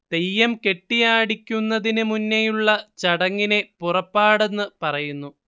തെയ്യം കെട്ടിയാടിക്കുന്നതിനുമുന്നേയുള്ള ചടങ്ങിനെ പുറപ്പാടെന്ന് പറയുന്നു